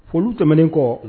Foliw tɛmɛnen kɔ